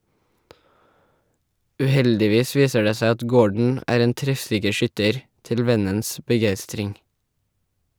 Uheldigvis viser det seg at Gordon er en treffsikker skytter, til vennens begeistring.